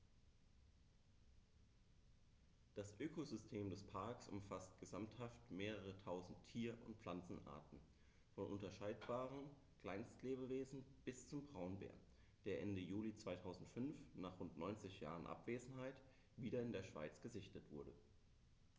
Das Ökosystem des Parks umfasst gesamthaft mehrere tausend Tier- und Pflanzenarten, von unscheinbaren Kleinstlebewesen bis zum Braunbär, der Ende Juli 2005, nach rund 90 Jahren Abwesenheit, wieder in der Schweiz gesichtet wurde.